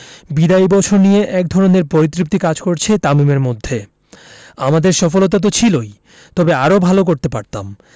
বিদায়ী বছর নিয়ে একধরনের পরিতৃপ্তি কাজ করছে তামিমের মধ্যে আমাদের সফলতা তো ছিলই তবে আরও ভালো করতে পারতাম